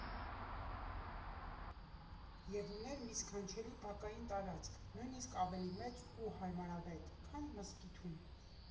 Եվ ուներ մի սքանչելի բակային տարածք, նույնիսկ ավելի մեծ ու հարմարավետ, քան մզկիթում։